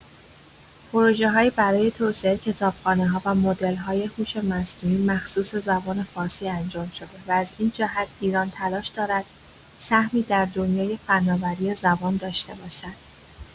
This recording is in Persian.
پروژه‌هایی برای توسعه کتابخانه‌ها و مدل‌های هوش مصنوعی مخصوص زبان فارسی انجام شده و از این جهت ایران تلاش دارد سهمی در دنیای فناوری زبان داشته باشد.